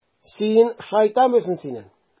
Син, шайтан белсен сине...